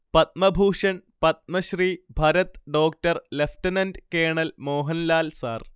Padma Bhushan Padma Shri Bharat doctor lieutenant colonel Mohanlal sir